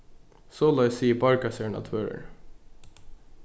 soleiðis sigur borgarstjórin á tvøroyri